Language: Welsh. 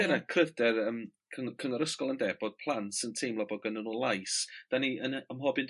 Dyna cryfder yym cyny- cyngor ysgol ynde? Bod plant yn teimlo bod gynnon nw lais, 'dan ni yn yy ymhob un